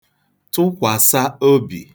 tụkwàsa obì